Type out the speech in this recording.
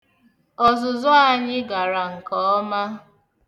Ọzụzụ anyị gara nke ọma.